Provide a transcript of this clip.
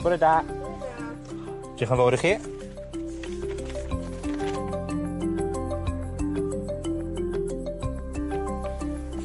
Bore da. Bore da. Dioch yn fowr i chi.